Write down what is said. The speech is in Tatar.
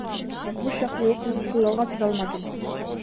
Бу чаклы ук мыскыллауга түзалмадым.